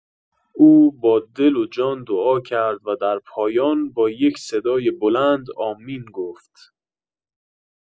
او با دل و جان دعا کرد و در پایان با یک صدای بلند آمین گفت.